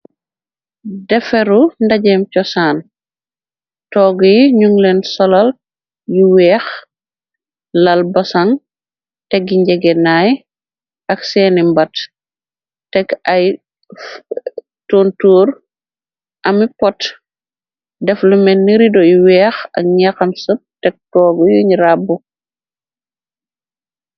Deferu ndajeem cosaan, toogu yi ñun leen solal yu weex, lal basang, tegi njege naay ak seeni mbat. Teg ay tontur ami pot def lu men ni rido yu weex ak ñexam seub, teg toogu yuñ rabbu.